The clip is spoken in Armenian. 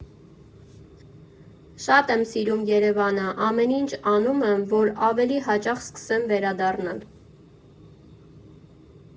Շատ եմ սիրում Երևանը, ամեն ինչ անում եմ, որ ավելի հաճախ սկսեմ վերադառնալ։